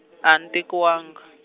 a ni tekiwanga.